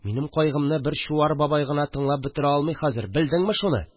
Минем кайгымны бер Чуар бабай гына тыңлап бетерә алмый хәзер, белдеңме шуны